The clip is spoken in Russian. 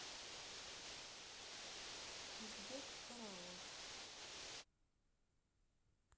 узбек караоке